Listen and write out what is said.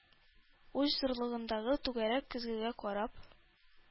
Уч зурлыгындагы түгәрәк көзгегә карап